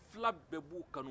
fila bɛɛ b'u kanu